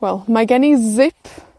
wel, mae gen i sip